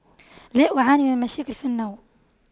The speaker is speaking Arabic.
لا أعاني من مشاكل في النوم